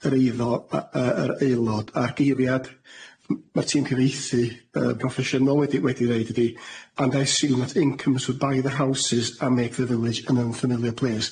yr eiddo a- yy yr Aelod a'r geiriad m- ma'r tîm cyfieithu yy proffesiynol wedi wedi ddeud ydi and I see that incomers would buy the houses and make the village an unfamiliar place.